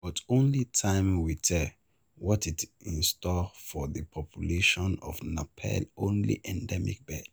But only time will tell what is in store for the population of Nepal's only endemic bird.